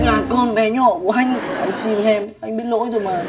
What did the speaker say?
gà con bé nhỏ của anh anh xin em anh biết lỗi rồi mà